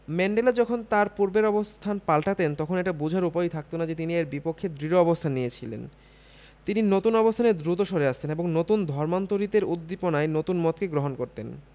Mandela যখন তাঁর পূর্বের অবস্থান পাল্টাতেন তখন এটা বোঝার উপায়ই থাকত না যে তিনি এর বিপক্ষে দৃঢ় অবস্থান নিয়েছিলেন তিনি নতুন অবস্থানে দ্রুত সরে আসতেন এবং নতুন ধর্মান্তরিতের উদ্দীপনায় নতুন মতকে গ্রহণ করতেন